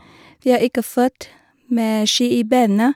Vi er ikke født med ski i bena.